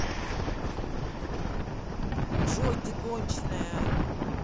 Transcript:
джой ты конченная